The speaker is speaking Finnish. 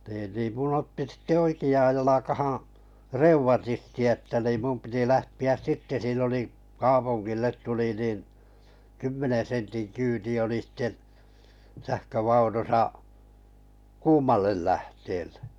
niin niin minun otti sitten oikeaan jalkaan reumatismi että niin minun piti lähteä sitten siinä oli kaupungille tuli niin kymmenen sentin kyyti oli sitten sähkövaunussa kuumalle lähteelle